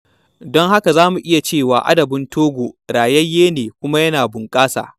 Don haka za mu iya cewa adabin Togo rayayye ne kuma yana bunƙasa.